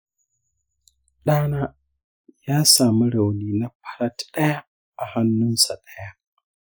ɗana ya sami rauni na farat ɗaya a hannunsa ɗaya.